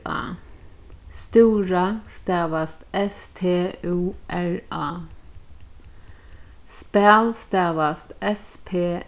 a stúra stavast s t ú r a spæl stavast s p